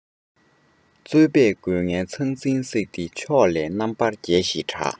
རྩོད པས རྒོལ ངན ཚང ཚིང བསྲེགས ཏེ ཕྱོགས ལས རྣམ པར རྒྱལ ཞེས གྲགས